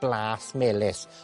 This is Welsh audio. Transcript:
blas melys.